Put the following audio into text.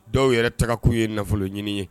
Dɔw yɛrɛ taga kun ye nafoloɲini ye.